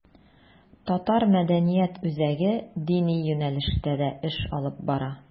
Татар мәдәният үзәге дини юнәлештә дә эш алып бара.